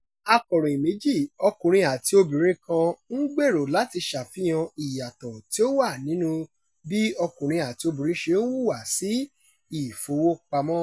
Akọ̀ròyìn méjì, ọkùnrin àti obìnrin kan ń gbèrò láti ṣàfihàn ìyàtọ̀ tí ó wà nínúu bí ọkùnrin àti obìnrin ṣe ń hùwà sí ìfowópamọ́.